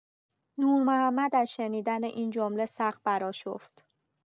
نورمحمد از شنیدن این جمله سخت برآشفت.